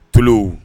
Tulow